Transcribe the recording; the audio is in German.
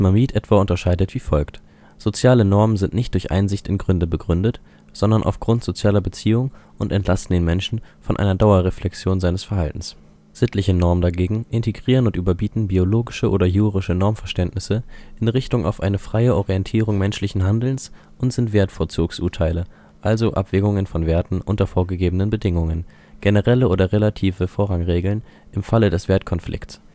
Mieth etwa unterscheidet wie folgt: Soziale Normen sind nicht durch Einsicht in Gründe begründet, sondern aufgrund sozialer Beziehung und entlasten den Menschen von einer Dauerreflexion des Verhaltens. Sittliche Normen dagegen integrieren und überbieten biologische oder jurischen Normverständnisse in Richtung auf eine freie Orientierung menschlichen Handelns und sind Wertvorzugsurteile, also Abwägungen von Werten unter vorgegebenen Bedingungen, generelle oder relative Vorrangregeln im Falle des Wertkonflikts